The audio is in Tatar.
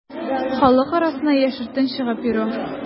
Халык арасына яшертен чыгып йөрү.